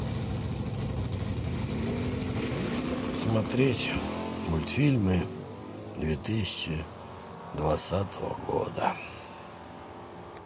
смотреть мультфильмы две тысячи двадцатого года